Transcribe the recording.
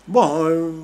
Bon ee